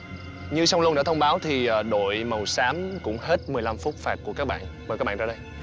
như song luân đã thông báo thì đội màu xám cũng hết mười lăm phút phạt của các bạn mời các bạn ra đây